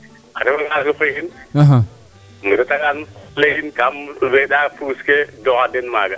a refa nga suqi yiin im reta nga lelin kam seenda puus ke doxa den maana